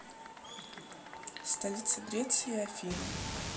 столица греции афины